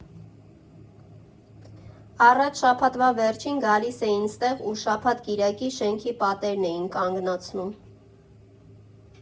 Առաջ շաբաթվա վերջին գալիս էին ստեղ ու շաբաթ֊կիրակի շենքի պատերն էին կանգնացնում։